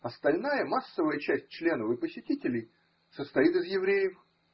Остальная, массовая часть членов и посетителей состоит из евреев.